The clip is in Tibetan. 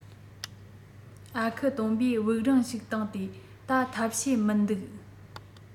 ཨ ཁུ སྟོན པས དབུགས རིང ཞིག བཏང སྟེ ད ཐབས ཤེས མི འདུག